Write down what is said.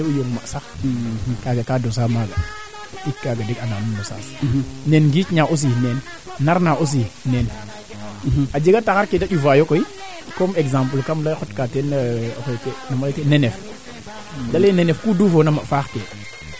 boo xayna awaa mbisiid jafe jafe mais en tant que wo fa xoxof wo fee ando naye waxey yond nu waa no millieu le o conseil :fraa ooga nga wee ando naye den na ŋooxa to a njeg jiifi jaafa no choix keene xar refu kee ando naye teno conseiller koogo den